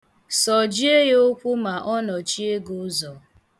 Sọjịe ya ụkwụ ma ọ nọchie gị ụzọ.